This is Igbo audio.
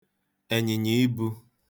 ènyị̀nyà ibū